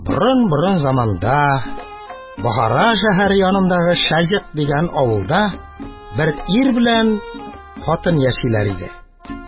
Борын-борын заманда Бохара шәһәре янындагы Шәҗегъ дигән авылда бер ир белән хатын яшиләр иде.